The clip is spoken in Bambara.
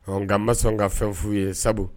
Ɔ nka n ma sɔn ka fɛn f'u ye sabu